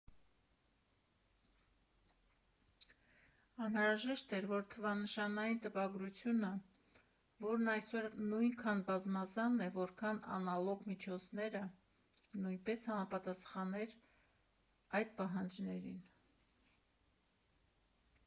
Անհրաժեշտ էր, որ թվանշանային տպագրությունը, որն այսօր նույնքան բազմազան է, որքան անալոգ միջոցները, նույնպես համապատասխաներ այդ պահանջներին։